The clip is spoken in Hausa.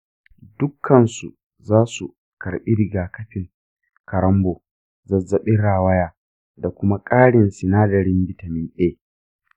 dukkansu za su karɓi rigakafin karonbo, zazzabin rawaya, da kuma ƙarin sinadarin bitamin a.